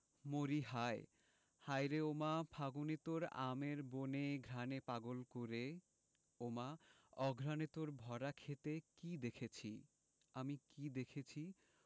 মরিহায় হায়রে ওমা ফাগুনে তোর আমের বনে ঘ্রাণে পাগল করে ওমা অঘ্রানে তোর ভরা ক্ষেতে কী দেখেছি আমি কী দেখেছি